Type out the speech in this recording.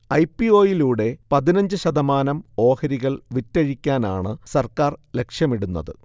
I. P. O. യിലൂടെ പതിനഞ്ച് ശതമാനം ഓഹരികൾ വിറ്റഴിക്കാനാണ് സർക്കാർ ലക്ഷ്യമിടുന്നത്